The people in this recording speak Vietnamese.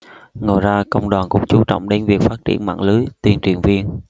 ngoài ra công đoàn cũng chú trọng đến việc phát triển mạng lưới tuyên truyền viên